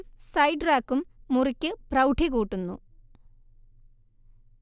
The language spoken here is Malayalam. സൈഡ്റാക്കും മുറിക്ക് പ്രൗഢികൂട്ടുന്നു